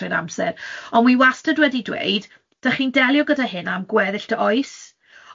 trwy'r amser, ond 'wi wastad wedi dweud, 'dach chi'n delio gyda hyn am gweddill dy oes.